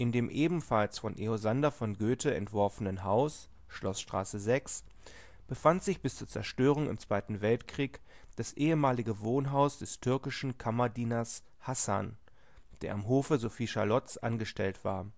dem ebenfalls von Eosander von Göthe entworfenen Haus, Schloßstraße 6, befand sich bis zur Zerstörung im Zweiten Weltkrieg das ehemalige Wohnhaus des türkischen Kammerdieners Hassan, der am Hofe Sophie-Charlottes angestellt war